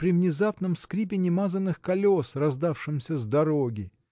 при внезапном скрипе немазаных колес раздавшемся с дороги.